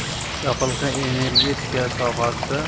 yoqilg'i energetika sohasi